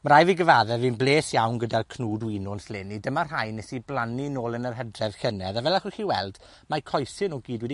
Ma rai' fi gyfadde fi'n bles iawn gyda'r cnwd winwns leni. Dyma rhai nes i blannu nôl yn yr Hydref llynedd. A fel allwch chi weld, mae coese nw gyd wedi